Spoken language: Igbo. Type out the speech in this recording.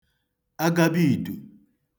agabaìdù